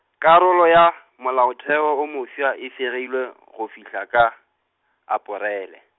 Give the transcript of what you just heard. karolo ya, molaotheo wo mofsa e fegilwe, go fihla ka, Aparele.